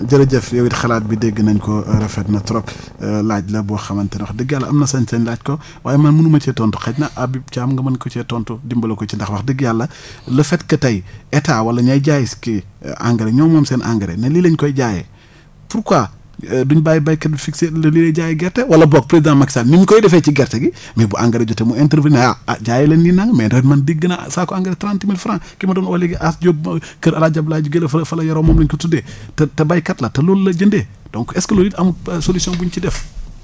jërëjëf yow it xalaat bi dégg nañ ko rafet na trop laaj la boo xamante ne wax dëgg yàlla am na sañ-sañ laaj ko waaye man munu ma cee tontu xaj na Habib thiam nga mën ko cee tontu dimbale ko ci ndax wax dëgg yàlla le fait que tey état wala ñay jaay kii engrais ñoo moom seen engrais ne lii la ñu koy jaayee pourquoi duñ bàyyi béykat bi fixé ne lii lay jaayee gerte wala boog président Macky Sall ni mu koy defee ci gerte gi mais bu engrais jotee mu intervenir ah jaayee leen nii nangam mais ren man dégg naa saako engrais trente mille franc ki ma doo oo léegi As Diop mu Kër el Hadj Abdoulaye fa la yaroo moom lañ ko tudee te béykat la te loolu la jëndee donc est ce que loolu it amul solution bu ñu ci def